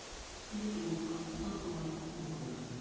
ютуб акура купе